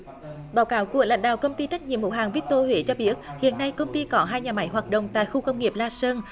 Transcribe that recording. báo cáo của lãnh đạo công ty trách nhiệm hữu hạn vích tô huế cho biết hiện nay công ty có hai nhà máy hoạt động tại khu công nghiệp la sơn